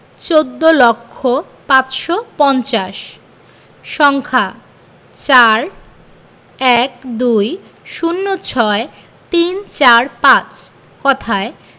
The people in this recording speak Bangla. চৌদ্দ লক্ষ পাঁচশো পঞ্চাশ সংখ্যাঃ ৪ ১২ ০৬ ৩৪৫ কথায়ঃ